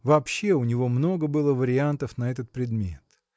Вообще у него много было вариантов на этот предмет.